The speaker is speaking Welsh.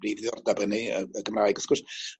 brif ddiddordab yn ni yym y Gymraeg wrth gwrs